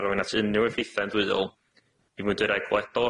arwain at unryw effeithiau yndwyol i mwynderau gwledol